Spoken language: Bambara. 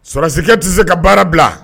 Sɔrasikɛ tisen ka baara bila